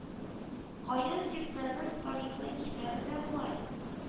Каен сиртмәнең тарихы исә менә болай